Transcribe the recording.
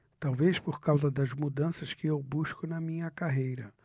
talvez por causa das mudanças que eu busco na minha carreira